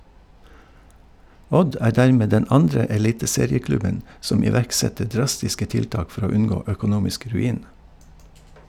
Odd er dermed den andre eliteserieklubben som iverksetter drastiske tiltak for å unngå økonomisk ruin.